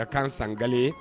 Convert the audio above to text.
Ka kan sanga ye